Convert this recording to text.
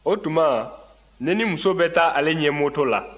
o tuma ne ni muso bɛ taa ale ɲɛ moto la